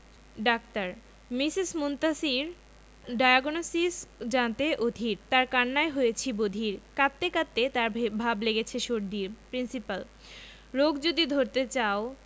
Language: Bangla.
ডাক্তার মিসেস মুনতাসীর ডায়োগনসিস জানতে অধীর তার কান্নায় হয়েছি বধির কাঁদতে কাঁদতে তার ভাব লেগেছে সর্দির প্রিন্সিপাল রোগ যদি ধরতে চাও